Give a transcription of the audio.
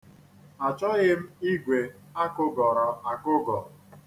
Achọghị m igwe a kụgọrọ akụgọ.